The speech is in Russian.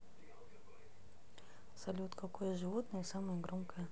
салют какое животное самое громкое